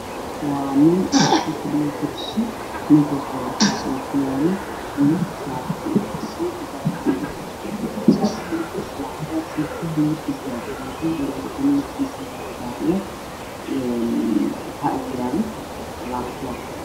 Waxaa ii muuqdaan niman ku fadhiyaan kuraas qaxooy ah waxaa usoo horeeya nin wata shati suud madow laptop ayaa horyaalo